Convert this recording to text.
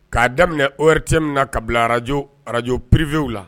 K'a daminɛ ote min na ka bila ararajo ararajo perebiyw la